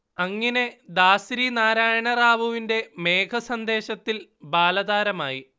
അങ്ങിനെ ദാസരി നാരായണ റാവുവിന്റെ മേഘസന്ദേശത്തിൽ ബാലതാരമായി